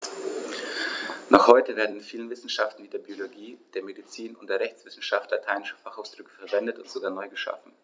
Noch heute werden in vielen Wissenschaften wie der Biologie, der Medizin und der Rechtswissenschaft lateinische Fachausdrücke verwendet und sogar neu geschaffen.